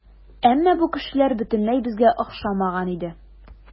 Әмма бу кешеләр бөтенләй безгә охшамаган иде.